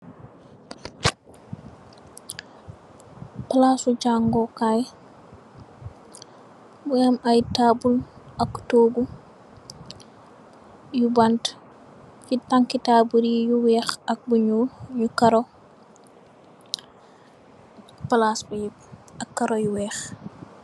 Palasu jango kai Mungi am i tabul ak togu yu banti sey tanki tabul yi yu weih ak bu nyuul nyu karo palass bi yep ak karo yu weih .